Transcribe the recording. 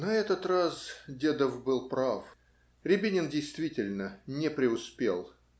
На этот раз Дедов был прав: Рябинин действительно не преуспел.